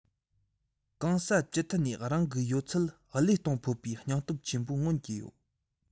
གང ས ཅི ཐད ནས རང གི ཡོད ཚད བློས གཏོང ཕོད པའི སྙིང སྟོབས ཆེན པོ མངོན གྱི ཡོད